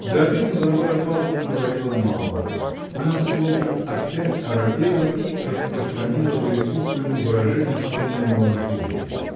За обедом Варвара Павловна говорила мало: она словно опять оробела и распространила по лицу своему выражение скромной меланхолии.